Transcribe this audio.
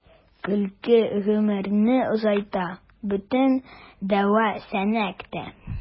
Көлке гомерне озайта — бөтен дәва “Сәнәк”тә.